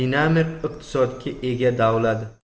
dinamik iqtisodga ega davlat